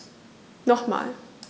Nochmal.